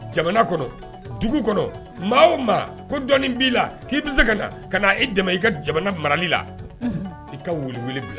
Jamana kɔrɔ dugu kɔnɔ maa mara ko dɔnni b'i la k'i bɛ se ka na ka' i dɛmɛ i ka jamana marain la i ka wuli weele bila